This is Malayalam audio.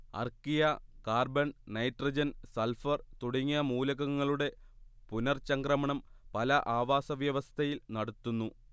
അർക്കിയ കാർബൺ നൈട്രജൻ സൾഫർ തുടങ്ങിയ മൂലകങ്ങളുടെ പുനർചംക്രമണം പല ആവാസവ്യവസ്ഥയിൽ നടത്തുന്നു